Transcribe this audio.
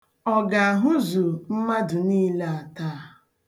Ọ ga-ahụzu mmadụ niile a taa?